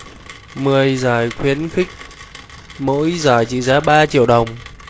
mười giải khuyến khích mỗi giải trị giá ba triệu đồng